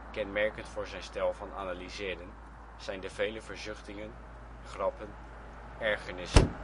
Kenmerkend voor zijn stijl van analyseren zijn de vele verzuchtingen, grappen, ergernissen